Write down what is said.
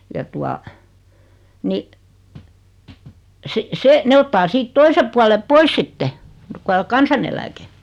ja tuota niin - se ne ottaa siitä toisen puolen pois sitten kun - kansaneläke mm